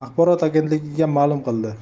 axborot agentligiga ma'lum qildi